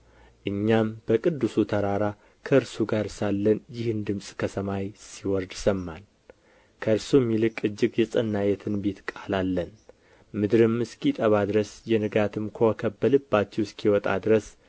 እኛም በቅዱሱ ተራራ ከእርሱ ጋር ሳለን ይህን ድምፅ ከሰማይ ሲወርድ ሰማን ከእርሱም ይልቅ እጅግ የጸና የትንቢት ቃል አለን ምድርም እስኪጠባ ድረስ የንጋትም ኮከብ በልባችሁ እስኪወጣ ድረስ